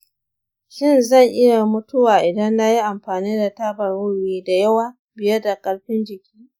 shin zan iya mutuwa idan nayi amfani da tabar wiwi da yawa fiye da ƙarfin jiki?